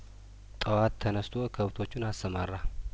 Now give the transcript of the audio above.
ጠዋት ተነስቶ ከብቶቹን አሰማራ